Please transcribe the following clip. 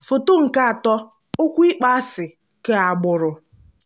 Foto nke 3: Okwu ịkpọasị keagbụrụ